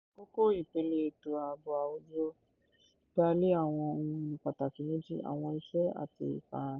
Kókó ìpìlẹ̀ ètò ààbò àwùjọ dá lé àwọn ohun èlò pàtàkì méjì: àwọn iṣẹ́ àti ìfiránṣẹ́.